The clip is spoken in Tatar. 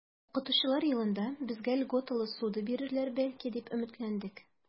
Укытучылар елында безгә льготалы ссуда бирерләр, бәлки, дип өметләндек.